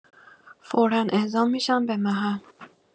فورا اعزام می‌شن به محل